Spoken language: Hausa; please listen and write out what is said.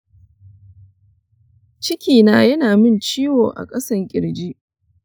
cikina yana min ciwo a ƙasan ƙirji.